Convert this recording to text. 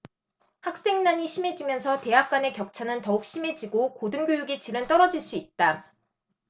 학생 난이 심해지면서 대학 간의 격차는 더욱 심해지고 고등교육의 질은 떨어질 수 있다